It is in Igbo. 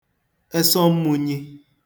esọ mmūnyī